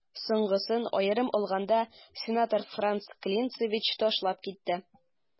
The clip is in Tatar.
Соңгысын, аерым алганда, сенатор Франц Клинцевич ташлап китте.